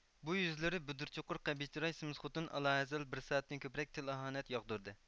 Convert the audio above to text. بۇ يۈزلىرى بۈدۈر چوقۇر قەبىھ چىراي سېمىز خوتۇن ئالاھازەل بىر سائەتتىن كۆپرەك تىل ئاھانەت ياغدۇردى